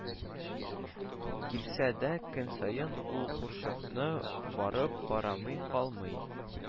Килсә дә, көн саен ул курчакны барып карамый калмый